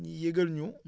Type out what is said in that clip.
ñii yëgal ñu